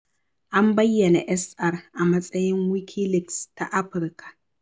An bayyana SR a matsayin Wikileaks ta Afirka.